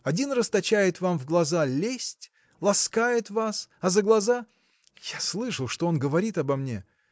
– Один расточает вам в глаза лесть, ласкает вас, а за глаза. я слышал, что он говорит обо мне.